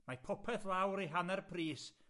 mae popeth lawr i hanner pris